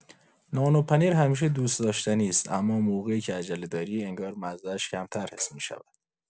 نان و پنیر همیشه دوست‌داشتنی است اما موقعی که عجله داری، انگار مزه‌اش کمتر حس می‌شود.